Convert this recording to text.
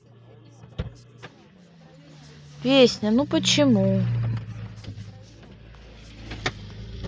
песня ну почему